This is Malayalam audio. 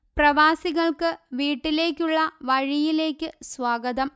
പ്രവാസികൾക്ക് വീട്ടിലേക്കുള്ള വഴിയിലേക്ക് സ്വാഗതം